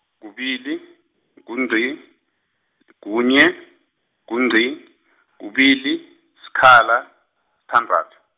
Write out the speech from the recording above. kubili, ngu ngqi, kunye, ngu ngqi , kubili, sikhala, sithandathu.